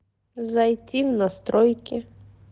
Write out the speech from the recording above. зайти в настройки